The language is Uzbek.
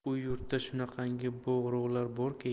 u yurtda shunaqangi bog' rog'lar borki